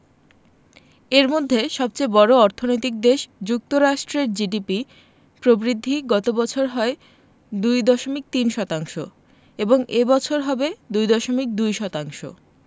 এর মধ্যে সবচেয়ে বড় অর্থনৈতিক দেশ যুক্তরাষ্ট্রের জিডিপি প্রবৃদ্ধি গত বছর হয় ২.৩ শতাংশ এবং এ বছর হবে ২.২ শতাংশ